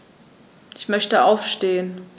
Ich möchte aufstehen.